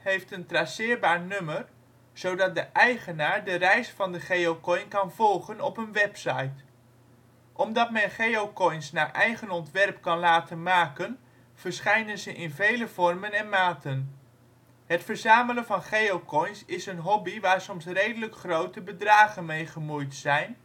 heeft een traceerbaar nummer, zodat de eigenaar de reis van de geocoin kan volgen op een website. Omdat men geocoins naar eigen ontwerp kan laten maken verschijnen ze in vele vormen en maten. Het verzamelen van geocoins is een hobby waar soms redelijk grote bedragen mee gemoeid zijn,